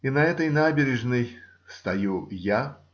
И на этой набережной стою я.